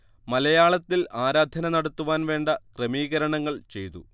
മലയാളത്തിൽ ആരാധന നടത്തുവാൻ വേണ്ട ക്രമീകരണങ്ങൾ ചെയ്തു